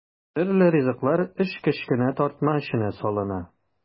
Төрле ризыклар өч кечкенә тартма эченә салына.